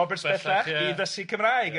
i ddysgu Cymraeg,